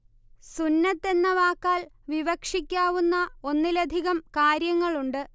സുന്നത്തെന്ന വാക്കാൽ വിവക്ഷിക്കാവുന്ന ഒന്നിലധികം കാര്യങ്ങളുണ്ട്